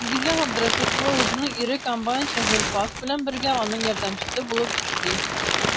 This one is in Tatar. Илгизә Габдрәшитова үзенең ире комбайнчы Гыйльфас белән бергә, аның ярдәмчесе булып эшли.